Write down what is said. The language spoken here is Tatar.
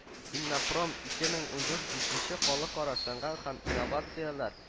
“иннопром- ике мең ундурт” бишенче халыкара сәнәгать һәм инновацияләр